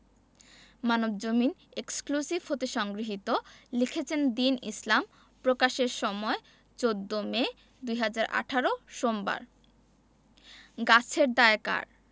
Manabzamin exclusive হতে সংগৃহীত লিখেছেনঃ দীন ইসলাম প্রকাশের সময় ১৪ মে ২০১৮ সোমবার গাছের দায় কার